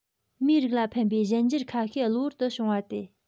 མིའི རིགས ལ ཕན པའི གཞན འགྱུར ཁ ཤས གློ བུར དུ བྱུང བ སྟེ